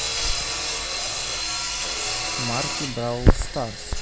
марки бравл старс